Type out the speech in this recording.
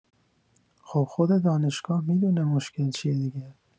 خب خود دانشگاه می‌دونه مشکل چیه دیگه